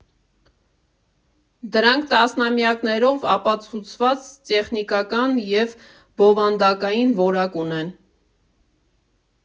Դրանք տասնամյակներով ապացուցված տեխնիկական և բովանդակային որակ ունեն։